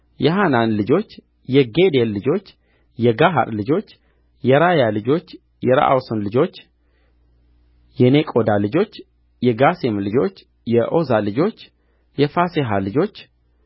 የሐናን ልጆች የጌዴል ልጆች የጋሐር ልጆች የራያ ልጆች የረአሶን ልጆች የኔቆዳ ልጆች የጋሴም ልጆች የዖዛ ልጆች የፋሴሐ ልጆች